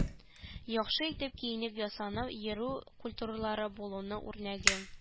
Яхшы итеп киенеп-ясанып йөрү культуралы булуның үрнәге